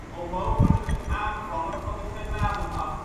om mogelijke aanvallen van de Germanen af